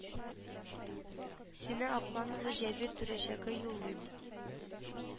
Сине аклан улы җәбир түрәчегә юллыйм